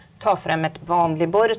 ta frem et vanlig bor.